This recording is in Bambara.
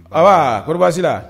Awɔɔ, koni baasi t'i la.